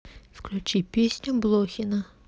включи песню блохина